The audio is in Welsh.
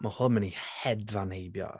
Mae hwn mynd i hedfan heibio.